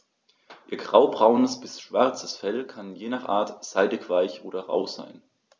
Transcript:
Ihr graubraunes bis schwarzes Fell kann je nach Art seidig-weich oder rau sein.